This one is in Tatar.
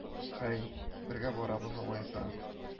— һәй, бергә барабыз алайсам